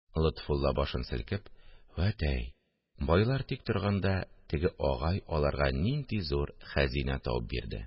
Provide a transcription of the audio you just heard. Лотфулла, башын селкеп: – Вәт әй, байлар тик торганда, теге агай аларга нинди зур хәзинә табып бирде